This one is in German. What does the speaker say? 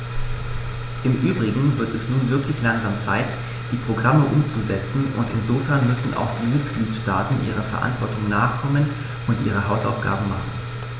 Im übrigen wird es nun wirklich langsam Zeit, die Programme umzusetzen, und insofern müssen auch die Mitgliedstaaten ihrer Verantwortung nachkommen und ihre Hausaufgaben machen.